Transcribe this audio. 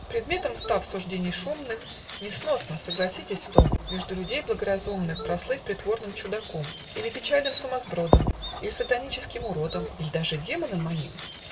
Предметом став суждений шумных, Несносно (согласитесь в том) Между людей благоразумных Прослыть притворным чудаком, Или печальным сумасбродом, Иль сатаническим уродом, Иль даже демоном моим.